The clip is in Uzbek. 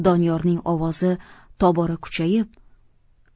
doniyorning ovozi tobora kuchayib